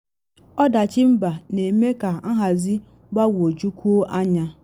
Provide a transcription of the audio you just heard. Ọdachi mba na eme ka nhazi gbagwojukwuo anya.